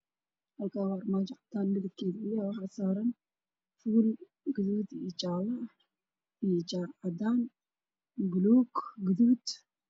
Waa armaajo midabkeedu uu yahay cadaan waxaa saaran fuul gaduud iyo jaale ah, shaar cadaan, buluug iyo gaduud.